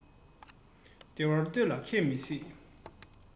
བདེ བར སྡོད ལ མཁས མི སྲིད